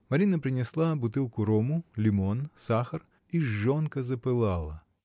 Марина принесла бутылку рому, лимон, сахар, и жжёнка запылала.